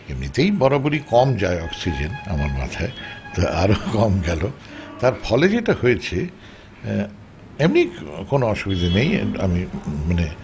এমনিতেই বরাবরই কম যায় অক্সিজেন আমার মাথায় আরো কম গেল ফলে যেটা হয়েছে এমনি কোন অসুবিধা নেই আমি মানে